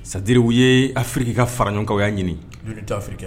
C'est à dire u ye afiriki ka faraɲɔgɔnkan u y'a ɲini, l'unité africaine